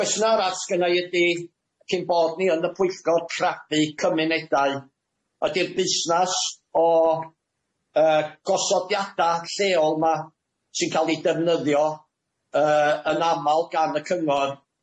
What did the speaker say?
Cwestiwn arall sgynnai ydi cyn bod ni yn y pwyllgor craffu cymunedau ydi'r busnas o yy gosodiada lleol ma sy'n ca'l i defnyddio yy yn amal gan y cyngor